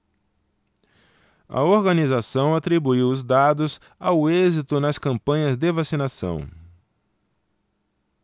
a organização atribuiu os dados ao êxito das campanhas de vacinação